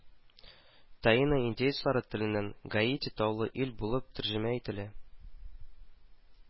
Таино индеецлары теленнән гаити таулы ил булып тәрҗемә ителә